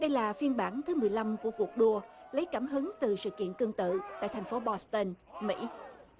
đây là phiên bản thứ mười lăm của cuộc đua lấy cảm hứng từ sự kiện tương tự tại thành phố bót từn mỹ